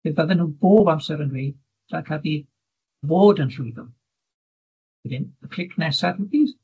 fe bydden nhw'n bob amser yn dweud dyle Caerdydd fod yn llwyddo, wedyn y clic nesa ti plîs.